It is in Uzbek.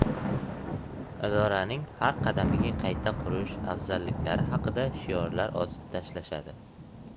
idoraning har qadamiga qayta qurish afzalliklari haqida shiorlar osib tashlashadi